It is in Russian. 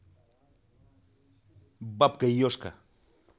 бабка ежка